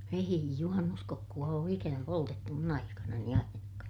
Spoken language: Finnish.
ei juhannuskokkoa ole ikänä poltettu minun aikanani ainakaan